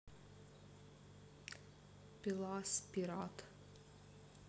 пила спират